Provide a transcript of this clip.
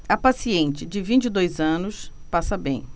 a paciente de vinte e dois anos passa bem